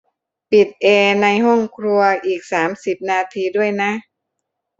ปิดแอร์ในห้องครัวอีกสามสิบนาทีด้วยนะ